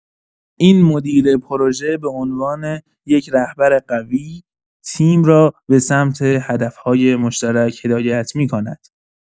این مدیر پروژه به‌عنوان یک رهبر قوی، تیم را به سمت هدف‌های مشترک هدایت می‌کند.